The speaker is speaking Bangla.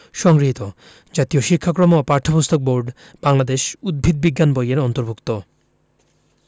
সংগৃহীত জাতীয় শিক্ষাক্রম ও পাঠ্যপুস্তক বোর্ড বাংলাদেশ উদ্ভিদ বিজ্ঞান বই এর অন্তর্ভুক্ত